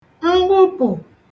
mgbupụ̀